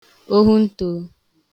ohuǹto